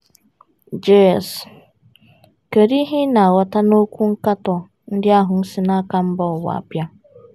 JS: Kedụ ihe ị na-aghọta n'okwu nkatọ ndị ahụ si n'aka mba ụwa bịa?